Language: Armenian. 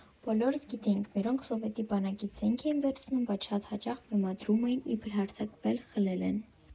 Բոլորս գիտեինք՝ մերոնք Սովետի բանակից զենք էին վերցնում, բայց շատ հաճախ բեմադրում էին՝ իբր հարձակվել, խլել են։